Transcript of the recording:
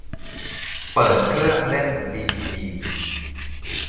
เปิดเครื่องเล่นดีวีดี